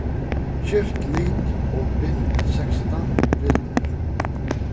skift lit og bint sekstan rillur